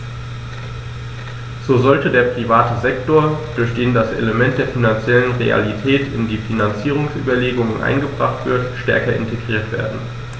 So sollte der private Sektor, durch den das Element der finanziellen Realität in die Finanzierungsüberlegungen eingebracht wird, stärker integriert werden.